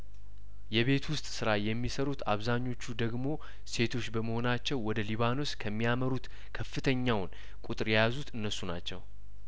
የቤት ውስጥ ስራ የሚሰሩት አብዛኞቹ ደግሞ ሴቶች በመሆናቸው ወደ ሊባኖስ ከሚያመሩት ከፍተኛውን ቁጥር የያዙት እነሱ ናቸው